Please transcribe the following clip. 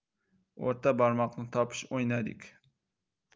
o'rta barmoqni topish o'ynadik